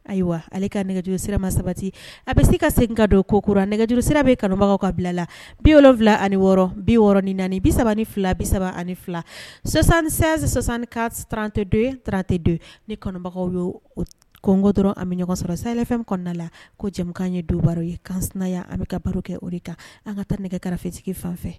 Ayiwa ale ka nɛgɛj sirama sabati a bɛ se ka segin ka don ko kura nɛgɛjuru sira bɛ kanubagaw ka bila la bi wolonwula ani wɔɔrɔ bi wɔɔrɔ ni naani bi saba ni fila bi3 ani fila sonsansan ka trante don tte don ni kɔnɔbagaw ye kɔnko dɔrɔn ani bɛ ɲɔgɔn sɔrɔyfɛn kɔnɔnada la ko cɛman ye do baro ye kansya an bɛ ka baro kɛ o de kan an ka taa nɛgɛ karafetigi fan fɛ